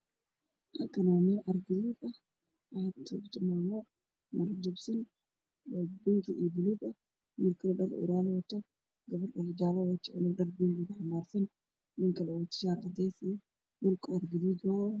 Waa sawir nin cid guraayo iyo naayo ataagan yihiin waana sawir waqtigii dowladda kacaanka